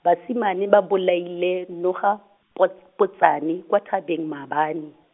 basimane ba bolaile nogapots- potsane kwa thabeng maabane.